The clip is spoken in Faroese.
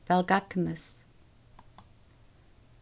væl gagnist